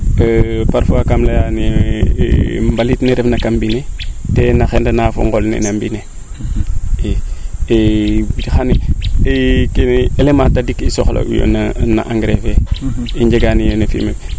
ndaa parfois kam leyaa yee mbalit ne refna kam mbine dena xena na fo ngol nene mbine i xani kee element tadik i soxla uyo na na engrais fee i njegaan yeene fumier